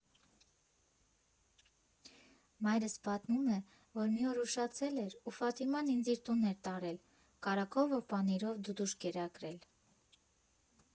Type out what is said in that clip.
Մայրս պատմում է, որ մի օր ուշացել էր ու Ֆաթիման ինձ իր տուն էր տարել՝ կարագով ու պանիրով «դուդուշ» կերակրել։